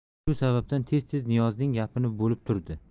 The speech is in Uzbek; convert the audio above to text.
shu sababdan tez tez niyozning gapini bo'lib turdi